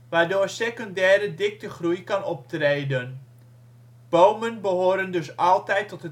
waardoor secundaire dikte groei kan optreden. Bomen behoren dus altijd